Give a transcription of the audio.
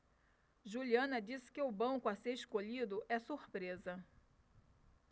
juliana disse que o banco a ser escolhido é surpresa